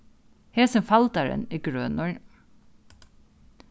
hesin faldarin er grønur